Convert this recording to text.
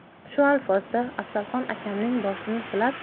shu alpozda afzalxon akamning boshini silab